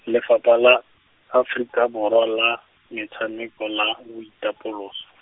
Lefapha la, Aforika Borwa la, Metshameko la, Boitapoloso.